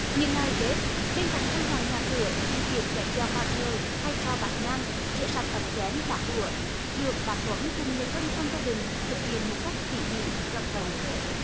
những ngày tết bên cạnh trang hoàng nhà cửa thì việc quét dọn bàn thờ thay tro bát nhang rửa sạch ấm chén bát đũa được bác tuấn cùng người thân trong gia đình thực hiện một cách tỷ mỉ cẩn thận